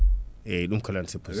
eyyi ɗum ko noon c' possible